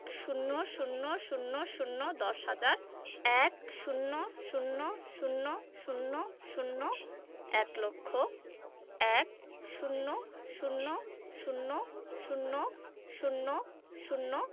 ১০০০০ দশ হাজার ১০০০০০ এক লক্ষ ১০০০০০০